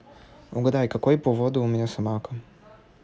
угадай какой поводу у меня собака